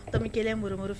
Tami kelen m fɛ